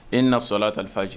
E na sola ta cɛ